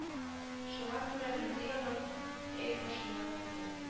Шуңа күрә мондый елның әй башында күрдем